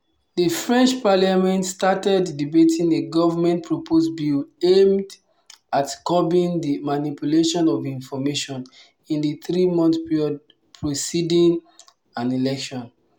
The French parliament started debating a government-proposed bill aimed at curbing the “manipulation of information” in the three-month period preceding an election.